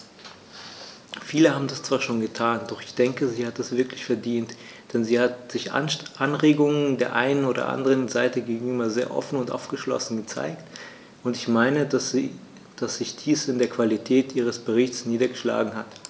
Viele haben das zwar schon getan, doch ich denke, sie hat es wirklich verdient, denn sie hat sich Anregungen der einen und anderen Seite gegenüber sehr offen und aufgeschlossen gezeigt, und ich meine, dass sich dies in der Qualität ihres Berichts niedergeschlagen hat.